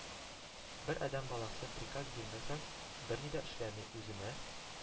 Бер адәм баласы, приказ бирмәсәң, берни дә эшләми, үзенә